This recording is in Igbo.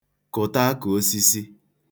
kụ̀ta akụ̀ osisi